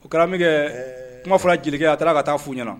U kɛrakɛ kuma fana jelikɛ a taara ka taa fou ɲɛna